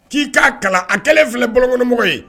K'i k'a kalan a kelen filɛ bɔlɔnkɔnɔmɔgɔ ye.